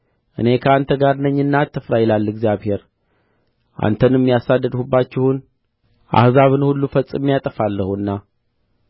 እኔ ከአንተ ጋር ነኝና አትፍራ ይላል እግዚአብሔር አንተንም ያሰደድሁባቸውን አሕዛብን ሁሉ ፈጽሜ አጠፋለሁና